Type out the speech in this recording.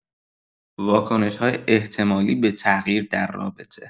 واکنش‌های احتمالی به تغییر در رابطه